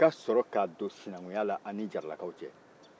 a ka sɔrɔ ka don sinakunya la ani jaaralakaw cɛ